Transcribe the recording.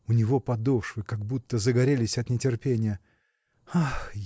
У него подошвы как будто загорелись от нетерпения. Ах!